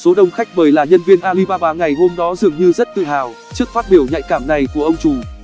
số đông khách mời là nhân viên alibaba ngày hôm đó dường như rất tự hào trước phát biểu nhạy cảm này của ông chủ